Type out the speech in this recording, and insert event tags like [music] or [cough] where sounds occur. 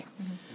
[hesitation] [hesitation]